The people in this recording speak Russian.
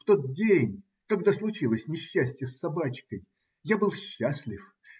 В тот день (когда случилось несчастье с собачкой) я был счастлив.